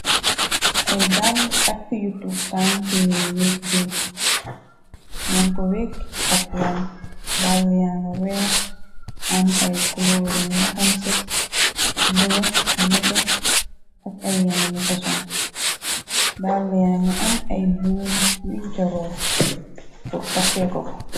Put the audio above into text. ay dall tàkk yutug tànk yuy wekkee ñoon ko wekk ci ab won dall ya nga weex am ay klooru naxam sa bu la mete ak ay yen ni fasoon dall ya nga am ay buum yuncoroo bur takkeekoko